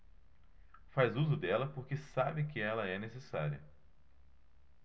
faz uso dela porque sabe que ela é necessária